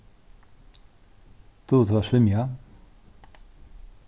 dugir tú at svimja